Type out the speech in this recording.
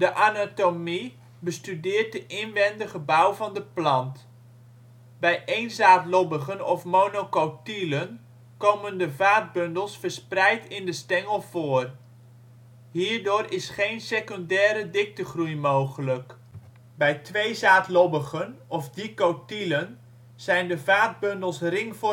anatomie bestudeert de inwendige bouw van de plant. Bij eenzaadlobbigen of monocotylen komen de vaatbundels verspreid in de stengel voor. Hierdoor is geen secundaire diktegroei mogelijk. Bij tweezaadlobbigen of dicotylen zijn de vaatbundels ringvormig gerangschikt